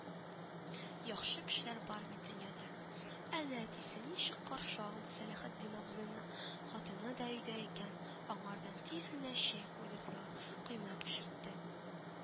Яхшы кешеләр бар бит дөньяда, әнә әтисе ничек каршы алды Сәләхетдин абзыйны, хатыны да өйдә икән, аңардан тиз генә чәй куйдырдылар, коймак пешертте